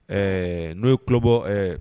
Ɛɛ n'o ye kubɔ ɛɛ